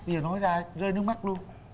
bây giờ nói ra rơi nước mắt luôn